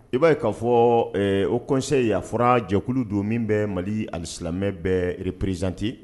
I b'a ye k'a fɔ o kɔnse y'a fɔra jɛkulu don min bɛ mali ali silamɛmɛ bɛ reprizte